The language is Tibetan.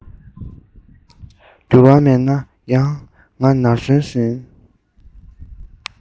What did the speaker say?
འགྱུར བ མེད ན ཡང ང ནར སོན ཟིན